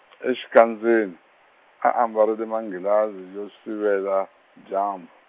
exikandzeni, a ambarile manghilazi yo sivela, dyambu.